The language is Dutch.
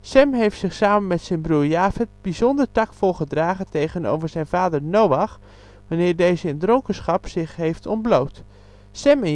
Sem heeft zich, samen met zijn broer Jafeth bijzonder taktvol gedragen tegenover zijn vader Noach wanner deze in dronkenschap zich heeft ontbloot. Sem